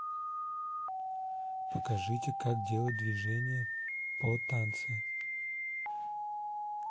покажите как делать движение по танце